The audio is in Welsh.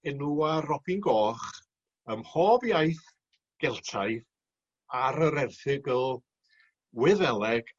enwa robin goch ym mhob iaith Geltaidd ar yr erthygl Wyddeleg